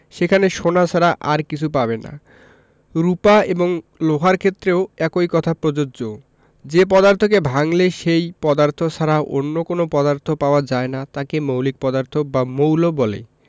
সেখানে সোনা ছাড়া আর কিছু পাবে না রুপা এবং লোহার ক্ষেত্রেও একই কথা প্রযোজ্য যে পদার্থকে ভাঙলে সেই পদার্থ ছাড়া অন্য কোনো পদার্থ পাওয়া যায় না তাকে মৌলিক পদার্থ বা মৌল বলে